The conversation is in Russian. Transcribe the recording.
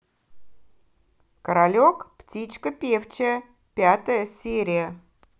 королек птичка певчая пятая серия